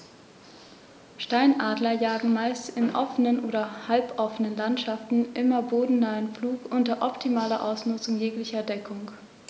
Steinadler jagen meist in offenen oder halboffenen Landschaften im bodennahen Flug unter optimaler Ausnutzung jeglicher Deckung.